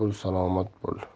bo'l salomat bo'l